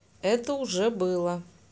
это уже было